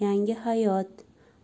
yangi hayot